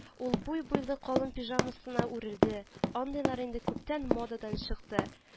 Ул буй-буйлы калын пижамасына үрелде, андыйлар инде күптән модадан чыкты